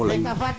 xa taxu o leyin